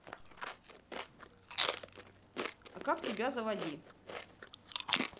а как тебя заводи